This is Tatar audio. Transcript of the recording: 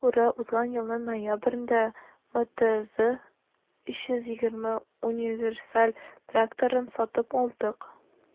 Шуңа күрә узган елның ноябрендә МТЗ 320 универсаль тракторын сатып алдык.